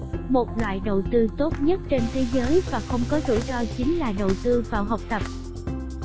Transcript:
một loại đầu tư tốt nhất trên thế giới và không có rủi ro chính là đầu tư vào học tập